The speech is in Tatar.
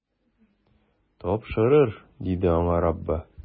Тапшырыр, - диде аңа Раббы.